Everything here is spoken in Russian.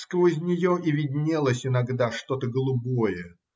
Сквозь нее ей виднелось иногда что-то голубое